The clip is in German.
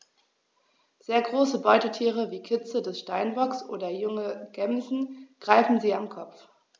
Sehr große Beutetiere wie Kitze des Steinbocks oder junge Gämsen greifen sie am Kopf.